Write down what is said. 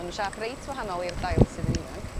ma' nw'n siâp reit wahanol i'r dail sydd yn ifanc